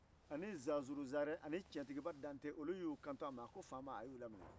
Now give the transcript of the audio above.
zanzuru zarɛ ani cɛntigiba dante olu y'u kanto a ma ko faama a y'olu laminɛ